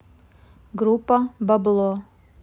группа бабло